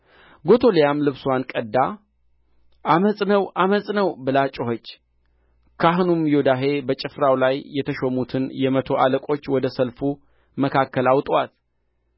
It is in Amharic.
ጎቶልያም ልብስዋን ቀድዳ ዓመፅ ነው ዓመፅ ነው ብላ ጮኸች ካህኑም ዮዳሄ በጭፍራው ላይ የተሾሙትን የመቶ አለቆች ወደ ሰልፉ መካከል አውጡአት